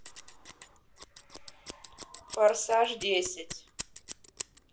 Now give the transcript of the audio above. форсаж десять